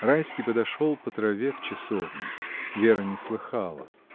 Райский подошел по траве к часовне. Вера не слыхала.